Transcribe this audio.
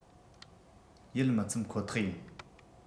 ཡིད མི ཚིམ ཁོ ཐག ཡིན